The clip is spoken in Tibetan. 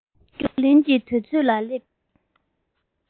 རྒྱུགས ལེན གྱི དུས ཚོད ལ སླེབས